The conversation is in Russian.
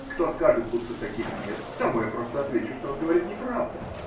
Кто скажет, будто таких нет, тому я просто отвечу, что он говорит неправду.